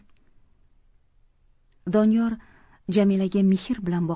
doniyor jamilaga mehr bilan boqib